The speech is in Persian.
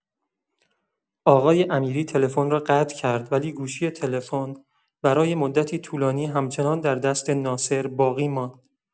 آقای امیری تلفن را قطع کرد، ولی گوشی تلفن برای مدتی طولانی همچنان در دست ناصر باقی ماند.